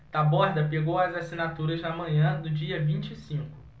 taborda pegou as assinaturas na manhã do dia vinte e cinco